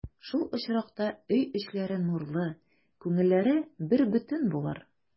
Шул очракта өй эчләре нурлы, күңелләре бербөтен булыр.